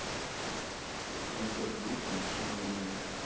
концерт группа машина времени